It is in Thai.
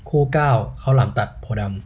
คู่เก้าข้าวหลามตัดโพธิ์ดำ